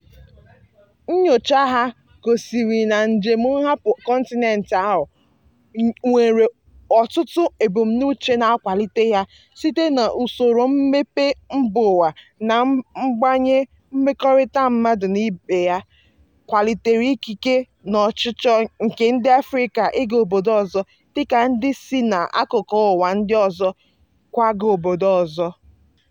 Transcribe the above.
Nnyocha ha gosiri na njem nhapụ kọntinent ahụ nwere ọtụtụ ebumnuche na-akwalite ya site n'usoro mmepe mbaụwa na mgbanwe mmekọrịta mmadụ na ibe ya" kwalitere ikike na ọchịchọ nke ndị Afrịka ịga obodo ọzọ- dịka ndị si n'akụkụ ụwa ndị ọzọ kwaga obodo ọzọ.